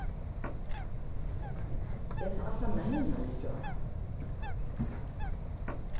eg sá allar menninar í gjár